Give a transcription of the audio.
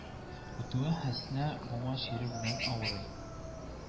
Үтүгә хәснә бума чире белән авырый